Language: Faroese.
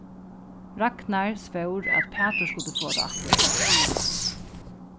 ragnar svór at pætur skuldi fáa tað afturlønt